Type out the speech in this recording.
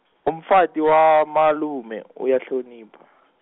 umfati wamalume uyahlonipha.